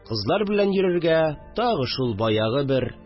Кызлар берлә йөрергә тагы шул баягы бер